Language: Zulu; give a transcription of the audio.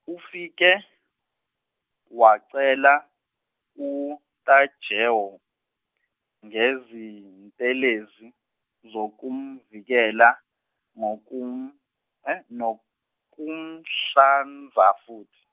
ufike wachela uTajewo ngezintelezi zokumvikela nokum- nokumhlanza futhi.